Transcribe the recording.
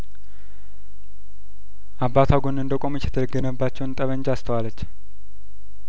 አባቷ ጐን እንደቆመች የተደ ገነባቸውን ጠመንጃ አስተ ዋለች